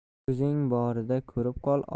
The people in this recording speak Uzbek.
ko'zing borida ko'rib qol